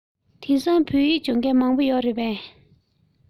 དེང སང བོད ཡིག སྦྱོང མཁན མང པོ ཡོད རེད པས